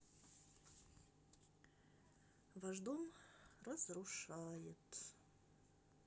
ваш дом разрушает